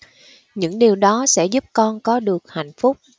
những điều đó sẽ giúp con có được hạnh phúc